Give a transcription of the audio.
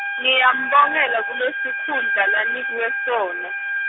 Ngiyambongela kulesikhundla lanikwe sona.